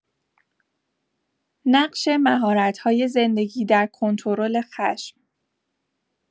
نقش مهارت‌های زندگی در کنترل خشم